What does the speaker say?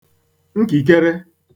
nkìkere